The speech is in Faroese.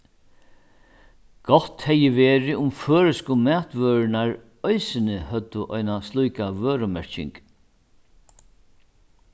gott hevði verið um føroysku matvørurnar eisini høvdu eina slíka vørumerking